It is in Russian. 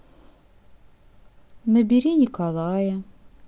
набери николая